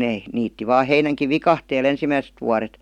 ne niitti vain heinänkin viikatteella ensimmäiset vuodet